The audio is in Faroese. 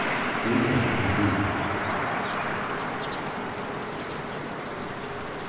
ring eftir politinum